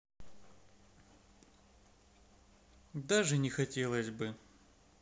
даже не хотелось бы